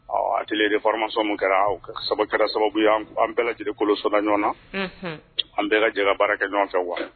Ɔ a hakili de farama sɔn kɛra kɛra sababu an bɛɛ lajɛlen koloso ɲɔgɔn na an bɛɛ lajɛlen baara kɛ ɲɔgɔn fɛ wa